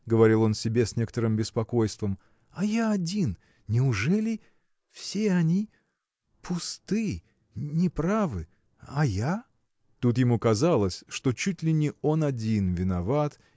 – говорил он себе с некоторым беспокойством – а я один неужели. все они. пусты. неправы. а я?. Тут ему казалось что чуть ли не он один виноват